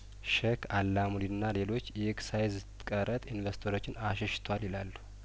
ሼክ አላሙዲና ሌሎች የኤክሳይዝ ቀረጥ ኢንቨስተሮችን አሽሽቷል ይላሉ